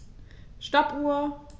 Stoppuhr.